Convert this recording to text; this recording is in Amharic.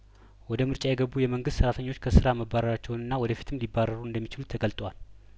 ወደ ምርጫ የገቡ የመንግስስት ሰራተኞች ከስራ መባረራቸውንና ወደፊትም ሊባረሩ እንደሚችሉ ተገልጧል